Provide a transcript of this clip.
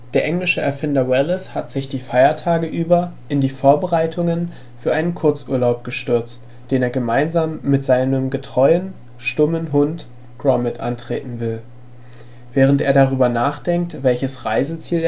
Der englische Erfinder Wallace hat sich die Feiertage über in die Vorbereitungen für einen Kurzurlaub gestürzt, den er gemeinsam mit seinem getreuen, stummen Hund Gromit antreten will. Während er darüber nachdenkt, welches Reiseziel